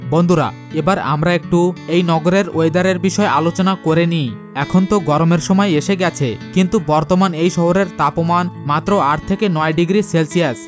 বন্ধুরা এবার আমরা একটু এই শহরের ওয়েদারের বিষয়ে আলোচনা করে নেই এখন তো গরমের সময় এসে গেছে কিন্তু বর্তমানে এই শহরের তাপমান মাত্র ৮ থেকে ৯ ডিগ্রি সেলসিয়াস